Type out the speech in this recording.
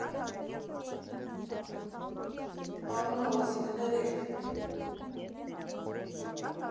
«Պարոն Ռոզի կներեք…